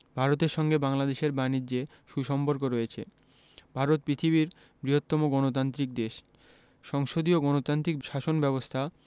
ভারতের সঙ্গে বাংলাদেশের বানিজ্যে সু সম্পর্ক রয়েছে ভারত পৃথিবীর বৃহত্তম গণতান্ত্রিক দেশ সংসদীয় গণতান্ত্রিক শাসন ব্যাবস্থা